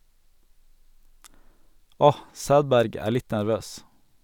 Åh, Sædberg er litt nervøs.